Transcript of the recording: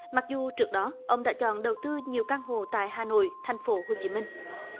mặc dù trước đó ông đã chọn đầu tư nhiều căn hộ tại hà nội thành phố hồ chí minh